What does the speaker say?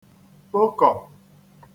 kpokọ̀